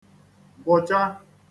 gbụ̀cha